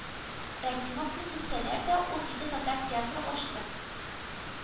Рәхимовны сүксәләр дә, ул ике татар театры ачты